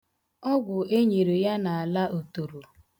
Ọgwụ enyere ya na-ala otoro.